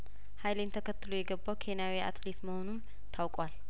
ሀይሌን ተከትሎ የገባው ኬንያዊ አትሌት መሆኑም ታውቋል